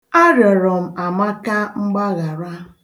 A rịọrọ m Amaka mgbaghara.